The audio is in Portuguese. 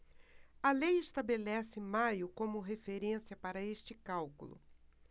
a lei estabelece maio como referência para este cálculo